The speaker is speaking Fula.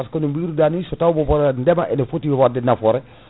par ce que no biruɗani so taw bayu* ndeema ne foti wadde nafoore